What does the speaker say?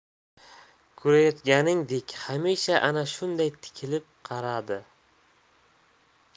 ko'rayotgandek hamisha ana shunday tikilib qarardi